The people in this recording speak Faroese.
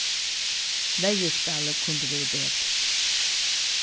verjuspælið kundi verið betur